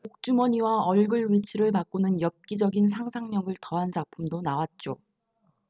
복주머니와 얼굴 위치를 바꾸는 엽기적인 상상력을 더한 작품도 나왔죠